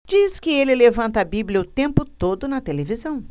diz que ele levanta a bíblia o tempo todo na televisão